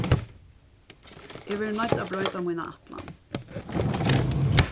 eg verði noydd at broyta mína ætlan